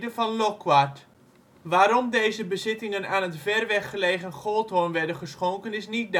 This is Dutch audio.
van Locquard. Waarom deze bezittingen aan het ver weg gelegen Goldhoorn werden geschonken is niet duidelijk